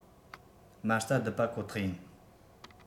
མ རྩ རྡིབ པ ཁོ ཐག ཡིན